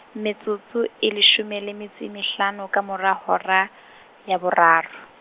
metsotso e leshome le metso e mehlano, ka morao ho hora , ya boraro.